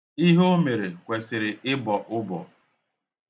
Ihe o mere kwesịrị ịbọ ụbọ.